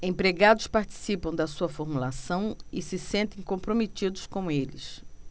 empregados participam da sua formulação e se sentem comprometidos com eles